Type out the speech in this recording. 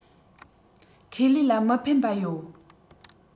ཁེ ལས ལ མི ཕན པ ཡོད